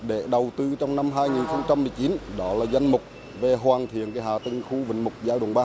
để đầu tư trong năm hai nghìn không trăm mười chín đó là danh mục về hoàn thiện cái hạ tầng khu vịnh mục giai đoạn ba